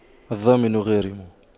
الضامن غارم